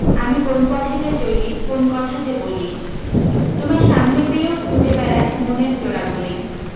আমি কোন পথে যে চলি কোন কথা যে বলি তোমায় সামনে পেয়েও খুঁজে বেড়াই মনের চোরাগলি